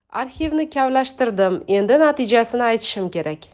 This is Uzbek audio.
arxivni kavlashtirdim endi natijasini aytishim kerak